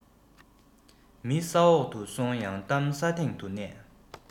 མི ས འོག དུ སོང ཡང གཏམ ས སྟེང དུ གནས